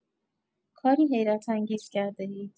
کاری حیرت‌انگیز کرده‌اید.